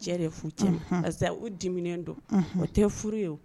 Yɛrɛ karisa o dimin don o tɛ furu ye